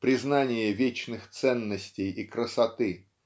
признание вечных ценностей и красоты